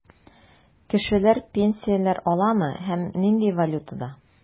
Кешеләр пенсияләр аламы һәм нинди валютада?